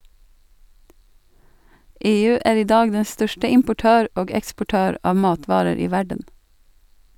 EU er i dag den største importør og eksportør av matvarer i verden.